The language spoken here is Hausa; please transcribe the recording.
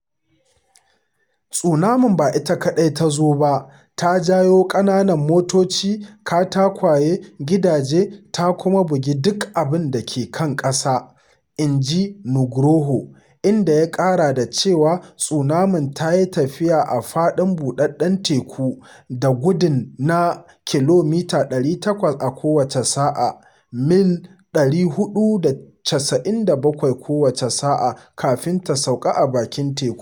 “Tsunamin ba ita kaɗai tazo ba, ta jawo ƙananan motoci, katakwaye, gidaje, ta kuma bugi duk abin da ke kan ƙasa,” inji Nugroho, inda ya ƙara da cewa tsunamin ta yi tafiya a faɗin buɗeɗɗen teku da gudu na kilomita 800 a kowace sa’a (mil 497 kowace sa’a) kafin ta sauka a bakin tekun.